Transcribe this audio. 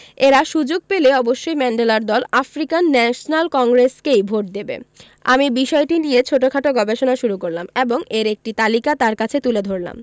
এরা সুযোগ পেলে অবশ্যই ম্যান্ডেলার দল আফ্রিকান ন্যাশনাল কংগ্রেসকেই ভোট দেবে আমি বিষয়টি নিয়ে ছোটখাটো গবেষণা শুরু করলাম এবং এর একটি তালিকা তাঁর কাছে তুলে ধরলাম